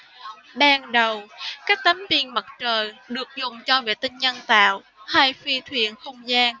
ban đầu các tấm pin mặt trời được dùng cho vệ tinh nhân tạo hay phi thuyền không gian